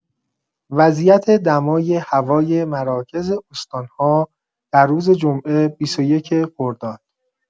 وضعیت دمای هوای مراکز استان‌ها در روز جمعه ۲۱ خرداد